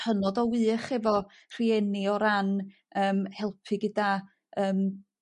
hynod o wych efo rhieni o ran yym helpu gyda yym